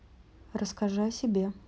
расскажи о себе